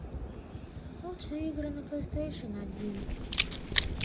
лучшие игры на плейстейшен один